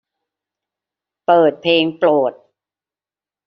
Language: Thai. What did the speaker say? เปิดเพลงโปรด